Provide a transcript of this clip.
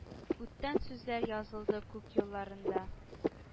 Уттан сүзләр язылды күк юлларында.